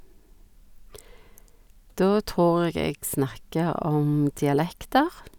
Da tror jeg jeg snakker om dialekter.